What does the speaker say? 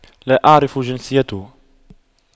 لا اعرف جنسيته